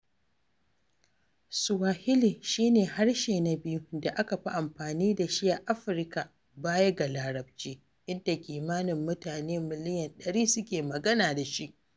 Swahili shi ne harshe na biyu da aka fi amfani da shi a Afirka baya ga Larabaci, inda kimanin mutane miliyan 100 suke magana da shi.